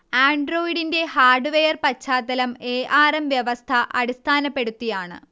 ആൻഡ്രോയ്ഡിന്റെ hardware പശ്ചാത്തലം A. R. M വ്യവസ്ഥ അടിസ്ഥാനപ്പെടുത്തിയാണ്